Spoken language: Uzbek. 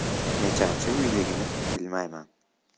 nechanchi uyligini bilmayman